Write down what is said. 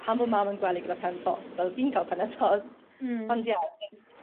pam ma' mam yn gwely gyda pen tost fel fi'n ca'l penne tost. hmm. Ond ie jyst